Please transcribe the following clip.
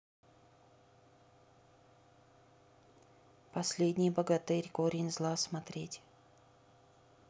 последний богатырь корень зла смотреть